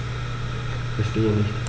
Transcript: Verstehe nicht.